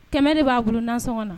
Kɛmɛ de b'a golo nasɔnɔn na